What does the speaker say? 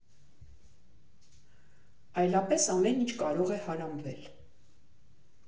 Այլապես ամեն ինչ կարող է հարամվել։